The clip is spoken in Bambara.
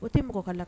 O tɛ mɔgɔ ka la